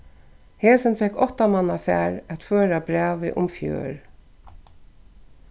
hesin fekk áttamannafar at føra brævið um fjørð